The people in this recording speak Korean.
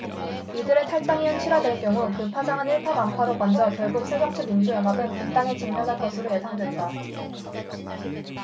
이들의 탈당이 현실화 될 경우 그 파장은 일파만파로 번져 결국 새정치민주연합은 분당에 직면할 것으로 예상된다